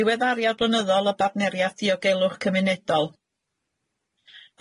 Diweddariad blynyddol o bartneriaeth diogelwch cymunedol.